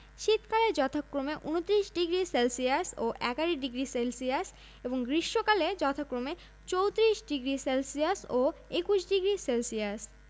শীতকালে যথাক্রমে ২৯ degree celsius ও ১১ডিগ্রি সেলসিয়াস এবং গ্রীষ্মকালে যথাক্রমে ৩৪ডিগ্রি সেলসিয়াস ও ২১ডিগ্রি সেলসিয়াস